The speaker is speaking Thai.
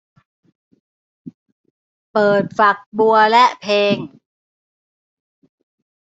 เปิดฝักบัวและเพลง